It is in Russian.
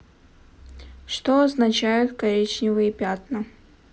что означают коричневые пятна